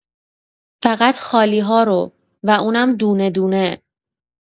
فقط خالی‌ها رو و اونم دونه‌دونه.